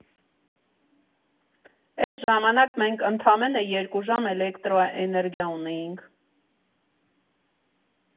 Էդ Ժամանակ մենք ընդամենը երկու ժամ էլեկտրաէներգիա ունեինք։